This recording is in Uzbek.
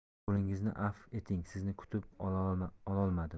qulingizni avf eting sizni kutib ololmadim